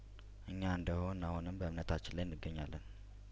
እኛ እንደሆን አሁንም በእምነታችን ላይ እንገኛለን